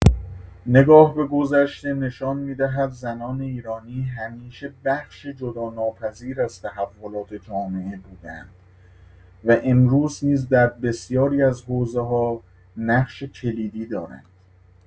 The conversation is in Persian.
نگاه به گذشته نشان می‌دهد زنان ایرانی همیشه بخشی جدایی‌ناپذیر از تحولات جامعه بوده‌اند و امروز نیز در بسیاری از حوزه‌ها نقش کلیدی دارند.